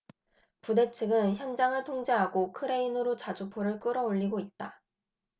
부대 측은 현장을 통제하고 크레인으로 자주포를 끌어올리고 있다